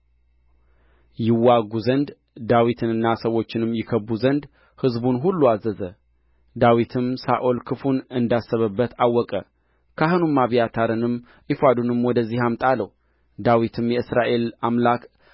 ይዋጉ ዘንድ ዳዊትንና ሰዎቹንም ይከብቡ ዘንድ ሕዝቡን ሁሉ አዘዘ ዳዊትም ሳኦል ክፉን እንዳሰበበት አወቀ ካሁኑን አብያታርንም ኤፉዱን ወደዚህ አምጣ አለው ዳዊትም የእስራኤል አምላክ